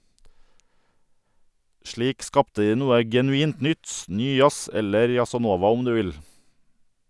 Slik skapte de noe genuint nytt - ny jazz, eller jazzanova, om du vil.